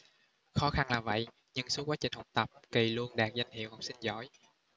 khó khăn là vậy nhưng suốt quá trình học tập kỳ luôn đạt danh hiệu học sinh giỏi